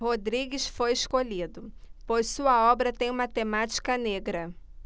rodrigues foi escolhido pois sua obra tem uma temática negra